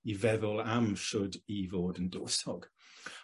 i feddwl am shwd i fod yn dywysog.